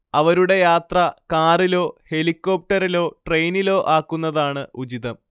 അവരുടെ യാത്ര കാറിലോ ഹെലികോപ്റ്ററിലോ ട്രെയിനിലോ ആക്കുന്നതാണ് ഉചിതം